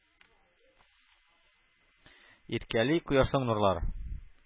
Иркәли кояшның нурлары.